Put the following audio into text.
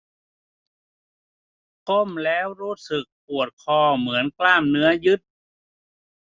ก้มแล้วรู้สึกปวดคอเหมือนกล้ามเนื้อยึด